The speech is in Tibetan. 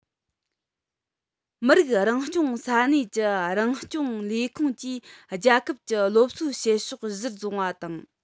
མི རིགས རང སྐྱོང ས གནས ཀྱི རང སྐྱོང ལས ཁུངས ཀྱིས རྒྱལ ཁབ ཀྱི སློབ གསོའི བྱེད ཕྱོགས གཞིར བཟུང བ དང